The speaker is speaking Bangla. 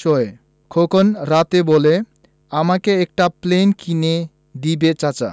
শোয় খোকন রাতে বলে আমাকে একটা প্লেন কিনে দিবে চাচা